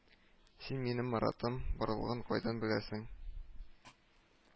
«син минем маратым барлыгын кайдан беләсең?»